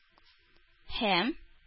Һәм